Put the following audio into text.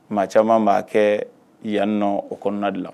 Maa caman b'a kɛ yanniɔnɔ o kɔnɔna de la